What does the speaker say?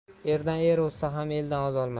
erdan er o'zsa ham eldan o'zolmas